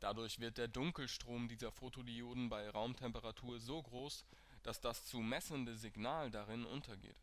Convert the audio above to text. Dadurch wird der Dunkelstrom dieser Photodioden bei Raumtemperatur so groß, dass das zu messende Signal darin untergeht